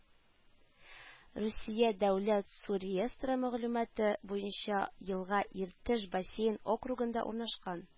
Русия дәүләт су реестры мәгълүматы буенча елга Иртеш бассейн округында урнашкан